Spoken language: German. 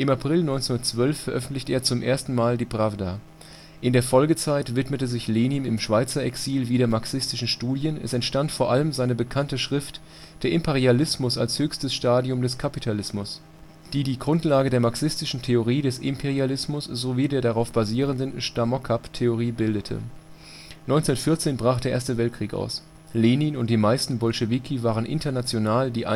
April 1912 veröffentlicht er zum ersten Mal die Prawda. In der Folgezeit widmete sich Lenin im Schweizer Exil wieder marxistischen Studien, es entstand vor allem seine bekannte Schrift „ Der Imperialismus als höchstes Stadium des Kapitalismus “(Januar bis Juni 1916), die die Grundlage der marxistischen Theorie des Imperialismus sowie der darauf basierenden Stamokap-Theorie bildete. 1914 brach der 1. Weltkrieg aus. Lenin und die meisten Bolschewiki waren international die